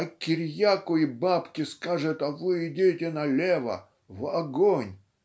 а Кирьяку и бабке скажет: а вы идите налево, в огонь.